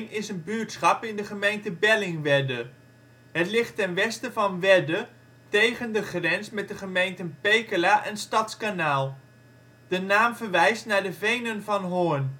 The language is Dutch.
is een buurtschap in de gemeente Bellingwedde. Het ligt ten westen van Wedde tegen de grens met de gemeenten Pekela en Stadskanaal. De naam verwijst naar de venen van Hoorn